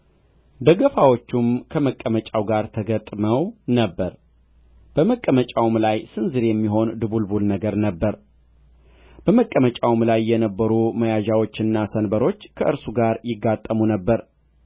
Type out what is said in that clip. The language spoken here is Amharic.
ደገፋዎቹም ከመቀመጫው ጋር ተገጥመው ነበር በመቀመጫውም ላይ ስንዝር የሚሆን ድቡልቡል ነገር ነበረ በመቀመጫውም ላይ የነበሩ መያዣዎችና ሰንበሮች ከእርሱ ጋር ይጋጠሙ ነበር